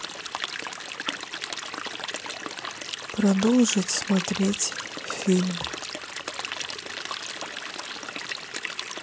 продолжить смотреть фильм